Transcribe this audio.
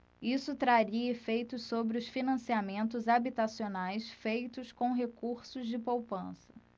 isso traria efeitos sobre os financiamentos habitacionais feitos com recursos da poupança